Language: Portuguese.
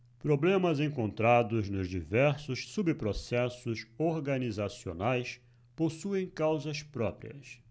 problemas encontrados nos diversos subprocessos organizacionais possuem causas próprias